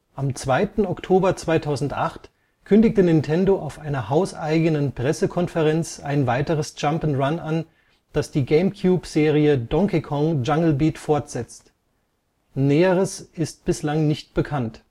Am 2. Oktober 2008 kündigte Nintendo auf einer hauseigenen Pressekonferenz ein weiteres Jump'n'Run an, das die GameCube-Serie Donkey Kong: Jungle Beat fortsetzt. Näheres ist bislang nicht bekannt